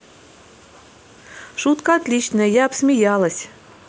шутка отличная я обсмеялась